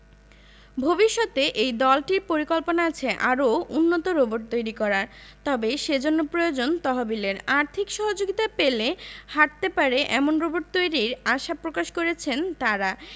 ভবিষ্যতে এই দলটির পরিকল্পনা আছে আরও উন্নত রোবট তৈরি করার তবে সেজন্য প্রয়োজন তহবিলের আর্থিক সহযোগিতা পেলে হাটতে পারে এমন রোবট তৈরির আশা প্রকাশ করেছেন তারা